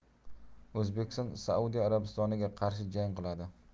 o'zbekiston saudiya arabistoniga qarshi jang qiladi